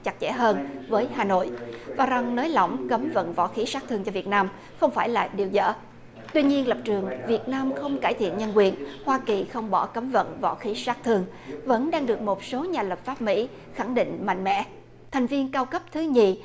chặt chẽ hơn với hà nội và rằng nới lỏng cấm vận võ khí sát thương cho việt nam không phải là điều dở tuy nhiên lập trường việt nam không cải thiện nhân quyền hoa kỳ không bỏ cấm vận võ khí sát thương vẫn đang được một số nhà lập pháp mỹ khẳng định mạnh mẽ thành viên cao cấp thứ nhì